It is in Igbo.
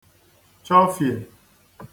chọfiè